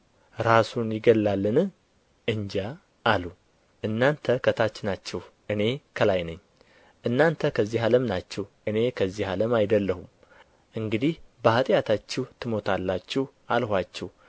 ራሱን ይገድላልን እንጃ አሉ እናንተ ከታች ናችሁ እኔ ከላይ ነኝ እናንተ ከዚህ ዓለም ናችሁ እኔ ከዚህ ዓለም አይደለሁም እንግዲህ በኃጢአታችሁ ትሞታላችሁ አልኋችሁ